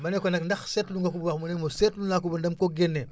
ma ne ko nag ndax seetlu nga ko bu baax mu ne ma seetlu naa ko ba dama ko génne